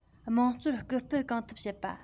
དམངས གཙོར སྐུལ སྤེལ གང ཐུབ བྱེད པ